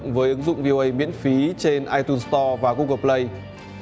với ứng dụng bi ô ây miễn phí trên ai tun sờ to và gu gồ phờ lây